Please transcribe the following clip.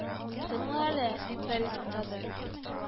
— тыңла әле,— дип, пәри туктады